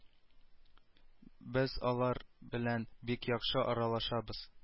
Без алар белән бик яхшы аралашабыз